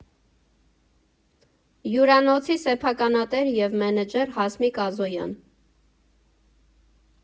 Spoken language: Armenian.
Հյուրանոցի սեփականատեր և մենեջեր Հասմիկ Ազոյան։